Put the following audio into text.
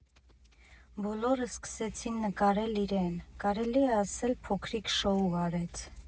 Բոլորը սկսեցին նկարել իրեն, կարելի է ասել, փոքրիկ շոու արեց։